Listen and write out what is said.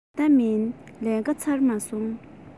ད ལྟ མིན ལས ཀ ཚར མ སོང